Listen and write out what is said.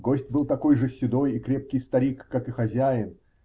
Гость был такой же седой и крепкий старик, как и хозяин